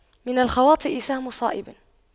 من الخواطئ سهم صائب